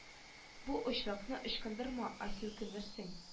Бу очракны ычкындырма ася үкенерсең